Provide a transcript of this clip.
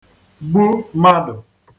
gbu madụ̀